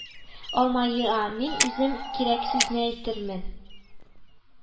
Алмаеа, мин үзем кирәк сүзне әйтермен